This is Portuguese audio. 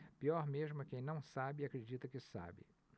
pior mesmo é quem não sabe e acredita que sabe